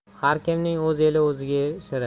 har kimning o'z eli o'ziga shirin